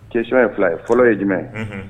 Cɛsiɔn ye fila ye fɔlɔ ye jumɛn ye